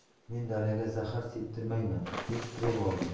men dalaga zahar septirmayman deb turib oldim